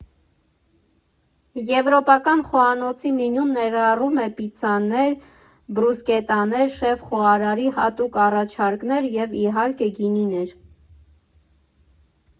Եվրոպական խոհանոցի մենյուն ներառում է պիցցաներ, բրուսկետաներ, շեֆ֊խոհարարի հատուկ առաջարկներ և, իհարկե, գինիներ։